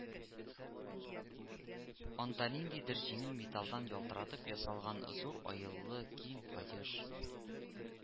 Анда ниндидер җиңел металлдан ялтыратып ясалган зур аеллы киң каеш